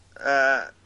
yy